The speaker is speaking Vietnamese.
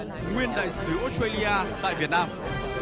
nguyên đại sứ ốt xuây li a tại việt nam